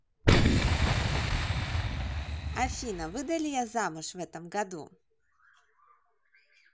афина выдали я замуж в этом году